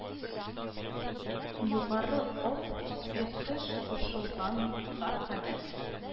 Югары Об, Иртеш кушылган га кадәр